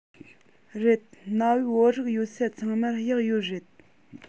རེད གནའ བོའི བོད རིགས ཡོད ས ཚང མར གཡག ཡོད རེད